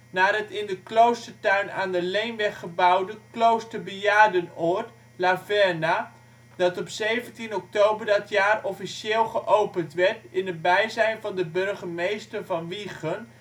naar het in de kloostertuin aan de Leemweg gebouwde kloosterbejaardenoord La Verna, dat op 17 oktober dat jaar officieel geopend werd in het bijzijn van de burgemeester van Wijchen